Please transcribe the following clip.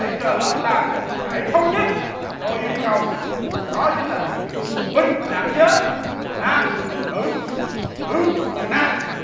để cho lớp ta có một thể thống nhất thì tôi yêu cầu đó chính là điều kiện bình đẳng giới nam cũng như nữ nữ cũng như nam